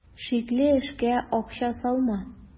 Шикле эшкә акча салма.